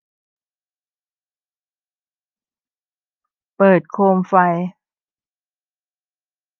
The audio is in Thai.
เปิดโคมไฟ